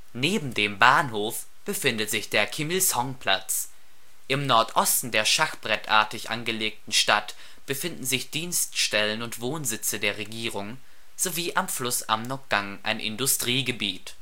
Neben den Bahnhof befindet sich der Kim-Il-sung-Platz. Im Nordosten der schachbrettartig angelegten Stadt befinden sich Dienststellen und Wohnsitze der Regierung sowie am Fluss Amrokgang ein Industriegebiet